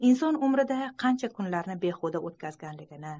inson o'z umrida qancha kunlarni behuda o'tkazganligini